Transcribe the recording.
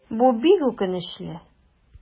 Бу бик үкенечле.